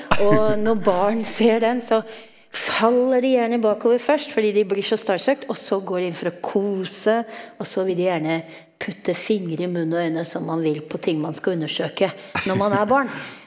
og når barn ser den så faller de gjerne bakover først fordi de blir så , og så går de inn for å kose, og så vil de gjerne putte fingre i munn og øyne, som man vil på ting man skal undersøke når man er barn.